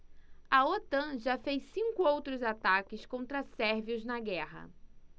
a otan já fez cinco outros ataques contra sérvios na guerra